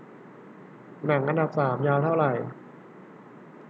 หนังอันดับสามยาวเท่าไหร่